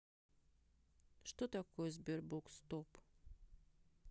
что такое sberbox топ